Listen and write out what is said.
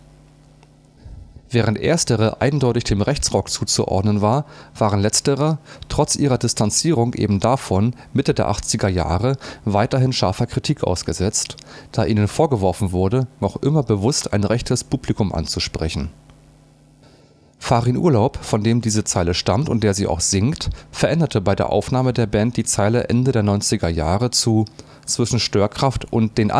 während erstere eindeutig dem Rechtsrock zuzuordnen war, waren letztere trotz ihrer Distanzierung eben davon Mitte der achtziger Jahre weiterhin scharfer Kritik ausgesetzt, da ihnen vorgeworfen wurde, noch immer bewusst ein „ rechtes “Publikum anzusprechen. Farin Urlaub, von dem diese Zeile stammt und der sie auch singt, veränderte bei den Auftritten der Band die Zeile Ende der 1990er Jahre zu „ Zwischen Störkraft und den